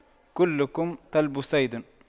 كلكم طلب صيد